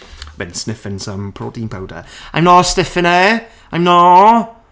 I've been sniffing some protein powder. I'm not stiffing it! I'm not!